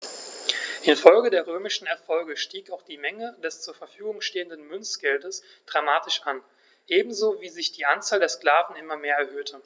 Infolge der römischen Erfolge stieg auch die Menge des zur Verfügung stehenden Münzgeldes dramatisch an, ebenso wie sich die Anzahl der Sklaven immer mehr erhöhte.